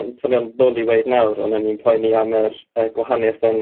ma' fe'n swnio'n ddwl i 'weud nawr ond on'n poeni am y gwahaniaeth yn